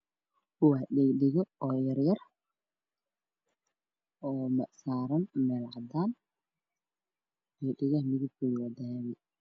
Waa dhega dhago yaryar oo saaran meel caddaana dhegaha kalralkoodu waa dahabi